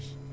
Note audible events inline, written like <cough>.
<hesitation> <hesitation>